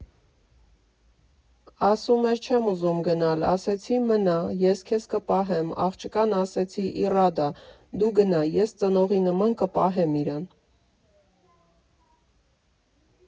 Ասում էր՝ չեմ ուզում գնալ, ասեցի՝ մնա, ես քեզ կպահեմ, աղջկան ասեցի՝ Իռադա՛, դու գնա, ես ծնողի նման կպահեմ իրան։